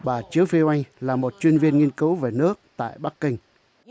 bà chiếu phi oanh là một chuyên viên nghiên cứu về nước tại bắc kinh